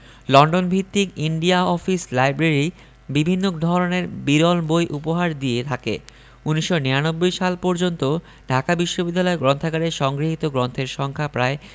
London ভিত্তিক India office library বিভিন্ন ধরনের বিরল বই উপহার দিয়ে থাকে ১৯৯৯ সাল পর্যন্ত ঢাকা বিশ্ববিদ্যালয় গ্রন্থাগারে সংগৃহীত গ্রন্থের সংখ্যা প্রায়